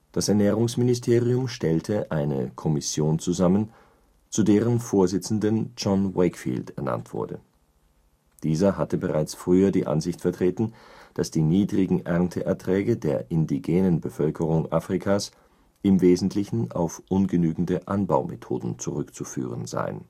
Das Ernährungsministerium stellte eine Kommission zusammen, zu deren Vorsitzenden John Wakefield ernannt wurde. Dieser hatte bereits früher die Ansicht vertreten, dass die niedrigen Ernteerträge der indigenen Bevölkerung Afrikas im Wesentlichen auf ungenügende Anbaumethoden zurückzuführen seien